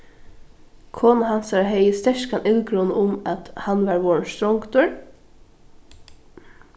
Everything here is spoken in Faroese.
kona hansara hevði sterkan illgruna um at hann var vorðin strongdur